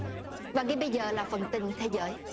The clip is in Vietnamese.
và ngay bây giờ là phần tin thế giới